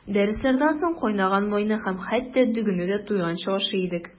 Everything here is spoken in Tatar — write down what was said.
Дәресләрдән соң кайнаган майны һәм хәтта дөгене дә туйганчы ашый идек.